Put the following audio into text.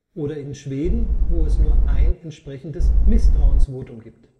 oder in Schweden, wo es nur ein entsprechendes Misstrauensvotum gibt